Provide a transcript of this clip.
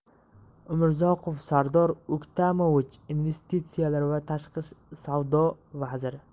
umurzoqov sardor o'ktamovich investitsiyalar va tashqi savdo vaziri